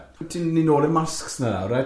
Ti'n mynd nôl i masks nawr, reit?